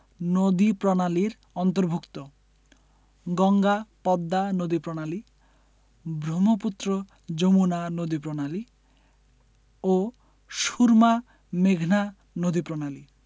নদীপ্রণালীর অন্তর্ভুক্ত গঙ্গা পদ্মা নদীপ্রণালী ব্রহ্মপুত্র যমুনা নদীপ্রণালী ও সুরমা মেঘনা নদীপ্রণালী